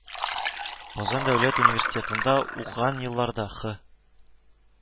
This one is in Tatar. Казан дәүләт университетында укыган елларда Хы